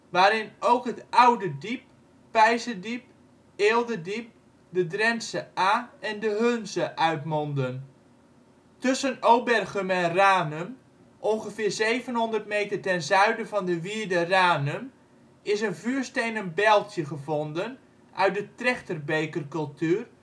waarin ook het Oude Diep, Peizerdiep, Eelderdiep, de Drentsche Aa en de Hunze uitmondden. Tussen Obergum en Ranum, ongeveer 700 meter ten zuiden van de wierde Ranum, is een vuurstenen bijltje gevonden uit de trechterbekercultuur